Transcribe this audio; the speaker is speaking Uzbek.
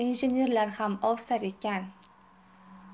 injenerlar ham ovsar ekan